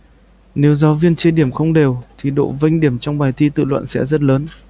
nếu giáo viên chia điểm không đều thì độ vênh điểm trong bài thi tự luận sẽ rất lớn